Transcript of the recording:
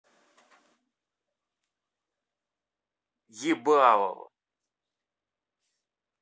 ебалово